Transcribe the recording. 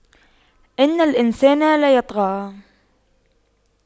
إِنَّ الإِنسَانَ لَيَطغَى